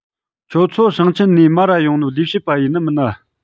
ཁྱོད ཚོ ཞིང ཆེན ནས མར ར ཡོང ནོ ལས བྱེད པ ཡིན ནི མིན ན